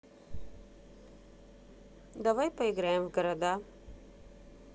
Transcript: давай поиграем в города